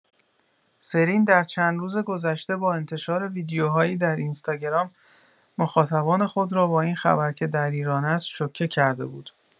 سرین در چند روز گذشته با انتشار ویدیوهایی در اینستاگرام مخاطبان خود را با این خبر که در ایران است شوکه کرده بود.